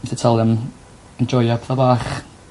Fi sy talu am enjoio petha bach.